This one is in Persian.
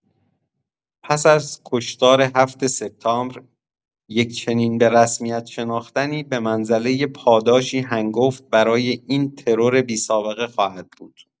پس از کشتار ۷ سپتامبر، یک چنین به‌رسمیت شناختنی، به منزله پاداشی هنگفت برای این ترور بی‌سابقه خواهد بود.